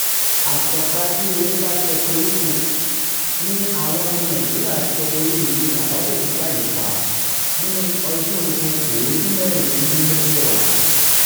Àtẹ̀pa bí erín bá tẹ koríko ni àwọn ọmọ Nàìjíríà tẹ irú ìwé àbádòfin báyìí pa ní ọdún-un 2016.